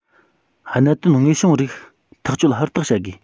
གནད དོན དངོས བྱུང རིགས ཐག གཅོད ཧུར ཐག བྱ དགོས